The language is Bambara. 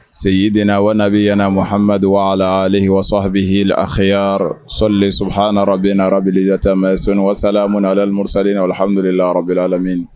Seyidna wajibiy muha amadudu a lalenyi waso habil a hakɛya sɔlilens harɔ bɛ narabi la tan sen wasalam alil musareninalhamdul bi lammi